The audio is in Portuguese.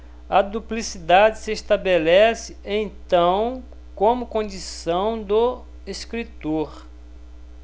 a duplicidade se estabelece então como condição do escritor